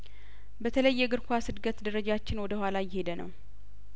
በተለይየእግር ኳስ እድገት ደረጃችን ወደ ኋላ እየሄደ ነው